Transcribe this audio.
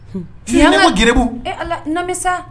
Gbugu eee ala namisa